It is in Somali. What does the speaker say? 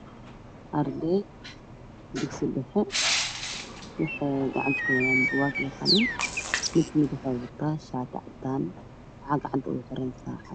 Arday dugsi dhexe waxee gacanta kuhayaan buugaag iyo qalin mid kamid wuxuu wataa shaati cadaan wuxuuna wataa sacad